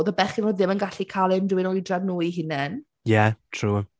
Oedd y bechgyn oedd ddim yn gallu cael unrhyw un oedran nhw ei hunain... Ie, true.